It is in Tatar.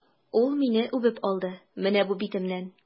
Ул мине үбеп алды, менә бу битемнән!